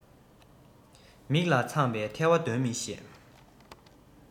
མིག ལ འཚངས པའི ཐལ བ འདོན མི ཤེས